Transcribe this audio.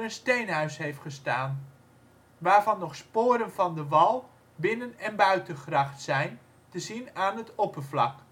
steenhuis heeft gestaan, waarvan nog sporen van de wal, binnen - en buitengracht zijn te zien aan het oppervlak